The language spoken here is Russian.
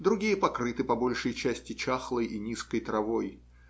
другие покрыты по большей части чахлой и низкой травой.